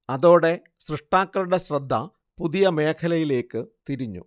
അതോടെ സ്രഷ്ടാക്കളുടെ ശ്രദ്ധ പുതിയ മേഖലയിലേക്കു തിരിഞ്ഞു